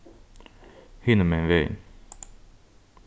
hinumegin vegin